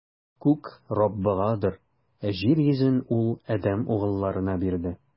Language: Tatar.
Күк - Раббыгадыр, ә җир йөзен Ул адәм угылларына бирде.